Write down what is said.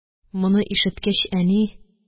Моны ишеткәч, әни